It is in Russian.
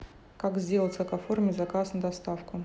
как сделать как оформить заказ на доставку